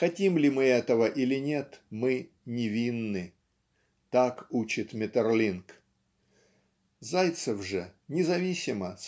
хотим ли мы этого или нет мы невинны. Так учит Метерлинк. Зайцев же независимо